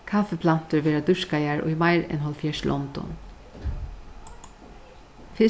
kaffiplantur verða dyrkaðar í meira enn hálvfjerðs londum